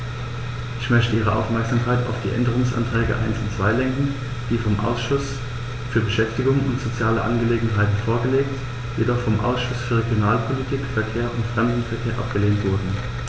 Ich möchte Ihre Aufmerksamkeit auf die Änderungsanträge 1 und 2 lenken, die vom Ausschuss für Beschäftigung und soziale Angelegenheiten vorgelegt, jedoch vom Ausschuss für Regionalpolitik, Verkehr und Fremdenverkehr abgelehnt wurden.